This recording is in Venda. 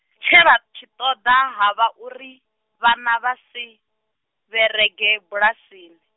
tshe vha tshi ṱoḓa, ha vha uri, vhana vhasi, vherege bulasini.